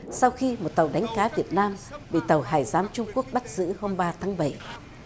sau khi một tàu đánh cá việt nam bị tàu hải giám trung quốc bắt giữ hôm ba tháng bảy